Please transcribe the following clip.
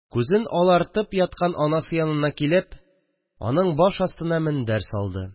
Күзен алартып яткан анасы янына килеп аның баш астына мендәр салды